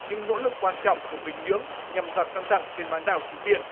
những nỗ lực quan trọng của bình nhưỡng nhằm giảm căng thẳng trên bán đảo triều tiên